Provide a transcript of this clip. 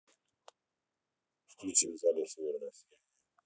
включи в зале северное сияние